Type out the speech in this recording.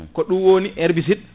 ko ɗum woni herbicide